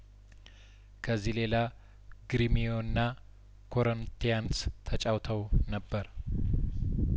ከዚህ ሌላ ግሪሚዮና ኮረንቲያንስ ተጫውተው ነበር